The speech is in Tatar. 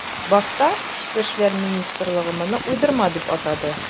Башта эчке эшләр министрлыгы моны уйдырма дип атады.